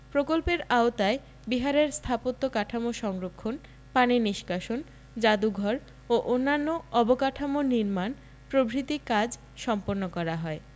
প্রকল্পের আওতায় বিহারের স্থাপত্য কাঠামো সংরক্ষণ পানি নিষ্কাশন জাদুঘর ও অন্যান্য অবকাঠামো নির্মাণ প্রভৃতি কাজ সম্পন্ন করা হয়